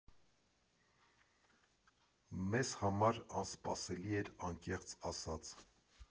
Մեզ համար դա անսպասելի էր, անկեղծ ասած։